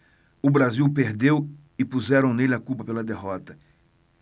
o brasil perdeu e puseram nele a culpa pela derrota